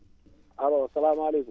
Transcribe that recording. alloo salaamaaliykum